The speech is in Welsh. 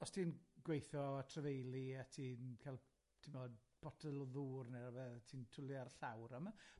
os ti'n gweithio a trafeilu a ti'n cael, ti'mod, botel o ddŵr ne' rywbeth, ti'n twli e ar llawr, a ma'